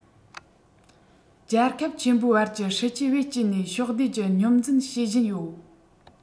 རྒྱལ ཁབ ཆེན པོའི བར གྱི སྲིད ཇུས བེད སྤྱོད ནས ཕྱོགས བསྡུས ཀྱི སྙོམས འཛིན བྱེད བཞིན ཡོད